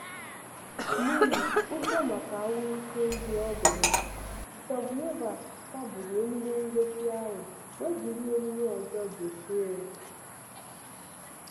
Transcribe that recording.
N'ihi ụjọ maka ahụike ndịọbịa ya, Shabuyeva kagburu emume ngosi ahụ wee jiri emume ọzọ dochie ya.